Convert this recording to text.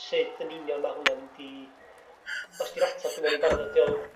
sud yn union ma' hwnna'n mynd i... Os 'di'r ateb gynnon ni barod ydi o